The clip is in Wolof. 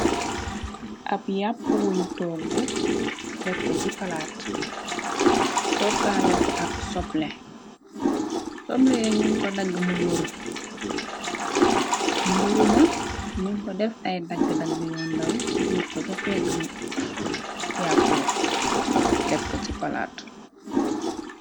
Ab yàppu wuñ toggu def ko ci palaat toggaale ko ak soblè, soblè yi ñun ko dagg mu wër mburu ñun ko def ay dagg dagg yu daw juur ko cha pegg yàppu wa def ko ci palaat.